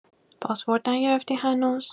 پاسپورت نگرفتی هنوز؟